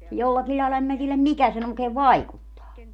jollakin lailla en minä tiedä mikä sen oikein vaikuttaa